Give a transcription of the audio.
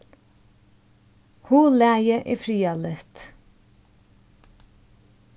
huglagið er friðarligt